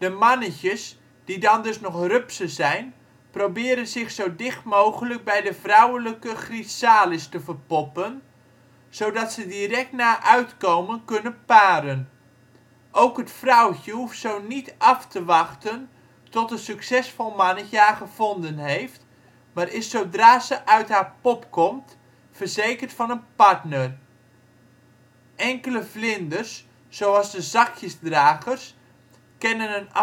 mannetjes, die dan dus nog rupsen zijn, proberen zich zo dicht mogelijk bij de vrouwelijke chrysalis te verpoppen zodat ze direct na uitkomen kunnen paren. Ook het vrouwtje hoeft zo niet af te wachten tot een succesvol mannetje haar gevonden heeft maar is zodra ze uit haar pop komt verzekerd van een partner. Enkele vlinders, zoals de zakjesdragers, kennen